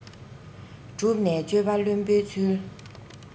གྲུབ ནས དཔྱོད པ བླུན པོའི ཚུལ